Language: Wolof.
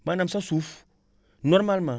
maanaam sa suuf normalement